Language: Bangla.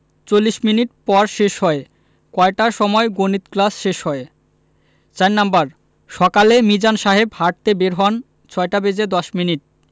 ৪০ মিনিট পর শেষ হয় কয়টার সময় গণিত ক্লাস শেষ হয় ৪ নাম্বার সকালে মিজান সাহেব হাঁটতে বের হন ৬টা বেজে ১০ মিনিট